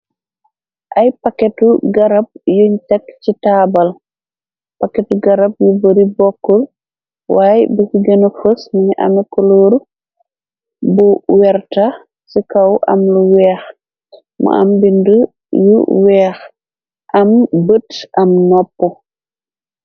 Ay paketu garab yuñ tekk ci taabal, paketu garab yu bari bokkul, waay bi si gene fes mingi ame koloor bu werta, ci kaw am lu weex, mu am binde yu weex, am bët, am noppu.